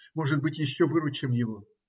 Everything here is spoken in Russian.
Может быть, еще выручим его.